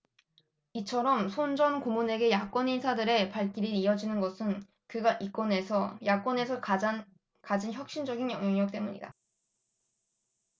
이처럼 손 전 고문에게 야권 인사들의 발길이 이어지는 것은 그가 야권에서 가진 현실적 영향력 때문이다